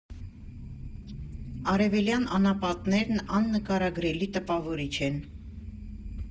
Արևելյան անապատներն աննկարագրելի տպավորիչ են։